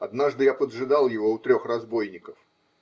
Однажды я поджидал его у "Трех разбойников".